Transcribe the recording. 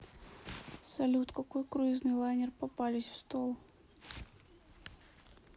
салют какой круизный лайнер попались в стол